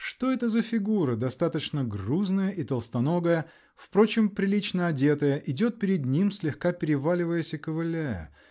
Что это за фигура, достаточно грузная и толстоногая, впрочем, прилично одетая, идет перед ним, слегка переваливаясь и ковыляя?